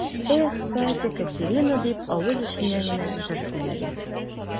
Эх, Катя-Катерина дип, авыз эченнән генә җыр көйләде.